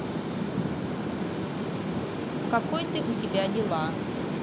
какой ты у тебя дела